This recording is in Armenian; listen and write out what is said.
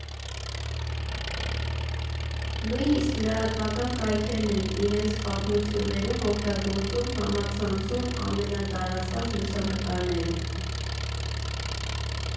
Նույնիսկ լրատվական կայքերն են իրենց պատմություններում օգտագործում համացանցում ամենատարածված լուսանկարները։